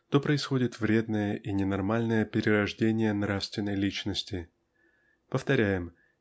то происходит вредное и ненормальное перерождение нравственной личности. Повторяем